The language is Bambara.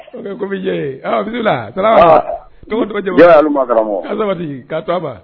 Komi e ye comédien ɔhɔn bisimila . Salamuhalekum tɔgɔ duman jamu duman ?